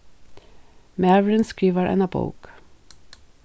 maðurin skrivar eina bók